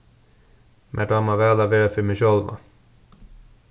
mær dámar væl at vera fyri meg sjálva